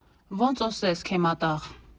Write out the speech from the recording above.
֊ Ոնց օսես, քե մատաղ։